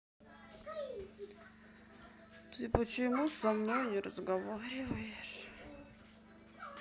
ты почему со мной не разговариваешь